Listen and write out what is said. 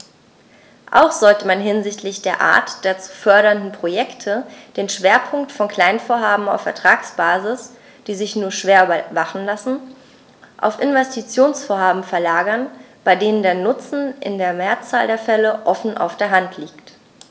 Auch sollte man hinsichtlich der Art der zu fördernden Projekte den Schwerpunkt von Kleinvorhaben auf Ertragsbasis, die sich nur schwer überwachen lassen, auf Investitionsvorhaben verlagern, bei denen der Nutzen in der Mehrzahl der Fälle offen auf der Hand liegt.